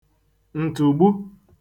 ǹtụ̀gbu